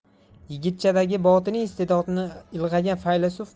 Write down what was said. yigitchadagi botiniy istedodni ilg'agan faylasuf